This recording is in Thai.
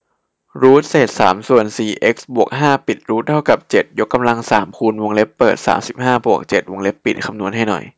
รูทเศษสามส่วนสี่เอ็กซ์บวกห้าปิดรูทเท่ากับเจ็ดยกกำลังสามคูณวงเล็บเปิดสามสิบห้าบวกเจ็ดวงเล็บปิดคำนวณให้หน่อย